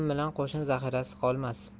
bilan qo'shin zaxirasiz qolmas